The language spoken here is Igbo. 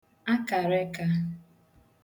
akaraẹka